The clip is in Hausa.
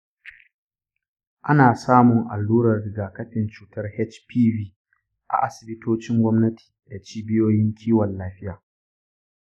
ana samun allurar rigakafin cutar hpv a asibitocin gwamnati da cibiyoyin kiwon lafiya.